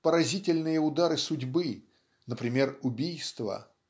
поразительные удары судьбы например, убийства.